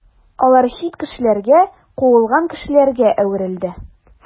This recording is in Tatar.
Алар чит кешеләргә, куылган кешеләргә әверелде.